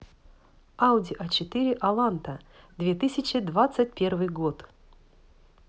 audi a четыре аланта две тысячи двадцать первый год